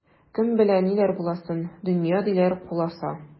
Кем белә ниләр буласын, дөнья, диләр, куласа.